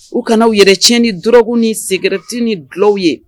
U kana'aw yɛrɛc ni dug ni sɛgɛrɛti ni dulɔ ye